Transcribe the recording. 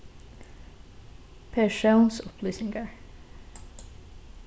persónsupplýsingar